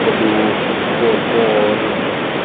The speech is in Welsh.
bod nh bod mor